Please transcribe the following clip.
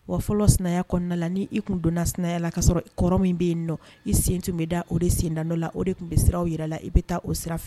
Wa fɔlɔ sinaya kɔnɔna la n'i i kun donna sinaya la ka sɔrɔ kɔrɔ min bɛ yen nɔ i sen tun bɛ da o de senda nɔ la, o de tun bɛ siraw jira a la i bɛ taa o sira fɛ.